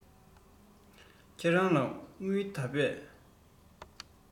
ཁྱེད རང ལ དངུལ ད པས